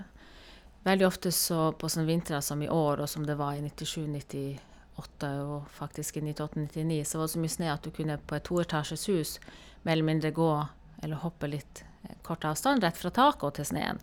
Veldig ofte så på sånne vintre som i år og som det var i nittisju nittiåtte og faktisk i nittiåtte nittini, så var det så mye snø at du kunne, på et toetasjes hus, mer eller mindre gå eller hoppe litt kort avstand rett fra tak og til snøen.